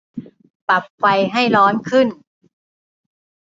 ปรับไฟให้ร้อนขึ้น